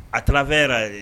A tfɛn yɛrɛ ye